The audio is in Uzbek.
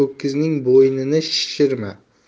ho'kizning bo'ynini shishirma